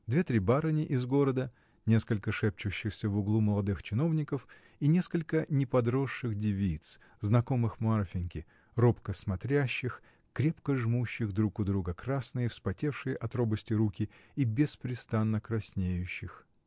две-три барыни из города, несколько шепчущихся в углу молодых чиновников и несколько неподросших девиц, знакомых Марфиньки, робко смотрящих, крепко жмущих друг у друга красные, вспотевшие от робости руки и беспрестанно краснеющих.